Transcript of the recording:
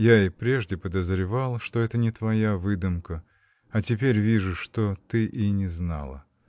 — Я и прежде подозревал, что это не твоя выдумка, а теперь вижу, что ты и не знала!